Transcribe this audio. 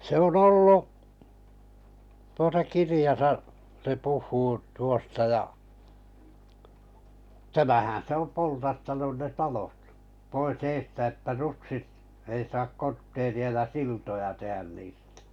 se on ollut tuota kirjassa se puhuu tuosta ja tämähän se on poltattanut ne talot pois edestä että rutsit ei saa kortteeria ja siltoja tehdä niistä